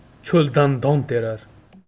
cho'ldan don terar